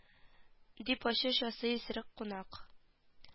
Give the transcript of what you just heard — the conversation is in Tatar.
Дип ачыш ясый исерек кунак